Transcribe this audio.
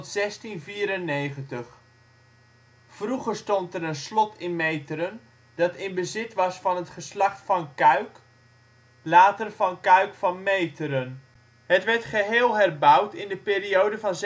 circa 1450 tot 1694. Vroeger stond er een slot in Meteren dat in bezit was van het geslacht Van Kuyc (later Van Cuyck van Meteren). Het werd geheel herbouwd in de periode van